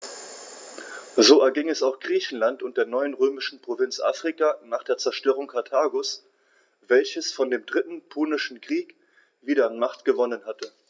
So erging es auch Griechenland und der neuen römischen Provinz Afrika nach der Zerstörung Karthagos, welches vor dem Dritten Punischen Krieg wieder an Macht gewonnen hatte.